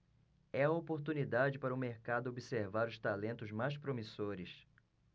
é a oportunidade para o mercado observar os talentos mais promissores